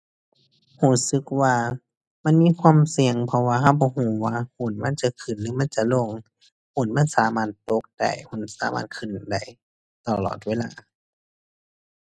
รู้สึกว่ามันมีความเสี่ยง เพราะว่ารู้บ่รู้ว่าหุ้นมันจะขึ้นหรือมันจะลง หุ้นมันสามารถตกได้ หุ้นสามารถขึ้นได้ตลอดเวลา